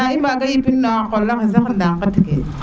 nda i mbaga yipin na xa qola xe sax nda ŋet ke